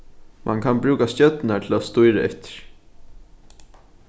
mann kann brúka stjørnurnar til at stýra eftir